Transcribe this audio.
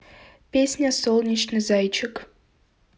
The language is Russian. песня солнечный зайчик